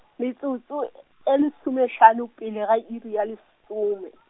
metsotso , e lesome hlano pele ga iri ya les- some.